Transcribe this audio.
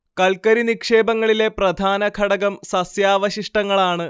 കൽക്കരി നിക്ഷേപങ്ങളിലെ പ്രധാന ഘടകം സസ്യാവശിഷ്ടങ്ങളാണ്